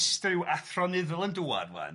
ystrtyw athronyddol yn dŵad ŵan...